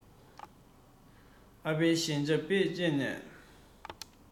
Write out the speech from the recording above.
ཨ ཕའི གཞན ཆ བེད སྤྱད ནས